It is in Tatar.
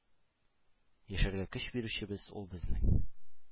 Яшәргә көч бирүчебез ул безнең,